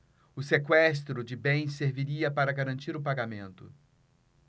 o sequestro de bens serviria para garantir o pagamento